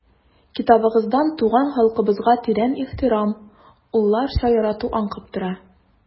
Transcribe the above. Китабыгыздан туган халкыбызга тирән ихтирам, улларча ярату аңкып тора.